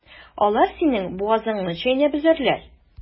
Алар синең бугазыңны чәйнәп өзәрләр.